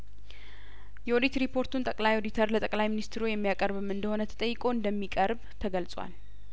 የኦዲት ሪፖርቱን ጠቅላይኦዲተር ለጠቅላይ ሚኒስትሩ የሚያቀርብም እንደሆነ ተጠይቆ እንደሚቀርብ ተገልጿል